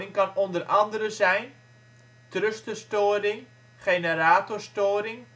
kan onder andere zijn: Thrusterstoring Generatorstoring